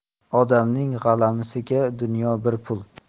odamning g'alamisiga dunyo bir pul